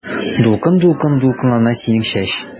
Дулкын-дулкын дулкынлана синең чәч.